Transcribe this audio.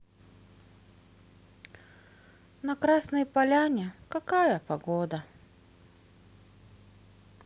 на красной поляне какая погода